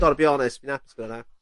gorra be onest fi'n apus gyd' 'wnna.